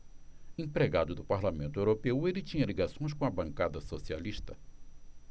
empregado do parlamento europeu ele tinha ligações com a bancada socialista